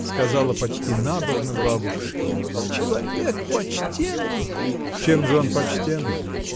— сказала почти набожно бабушка. — Человек почтенный. — Чем же он почтенный?